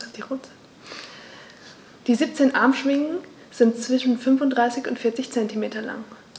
Die 17 Armschwingen sind zwischen 35 und 40 cm lang.